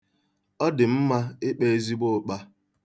Ọ dị mma ịkpa ụkpa ezigbo ụkpa.